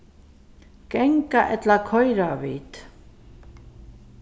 ganga ella koyra vit